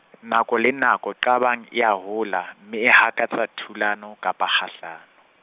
nako le nako qabang e a hola, mme e hakatsa thulano, kapa kgahlano.